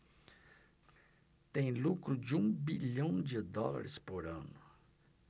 tem lucro de um bilhão de dólares por ano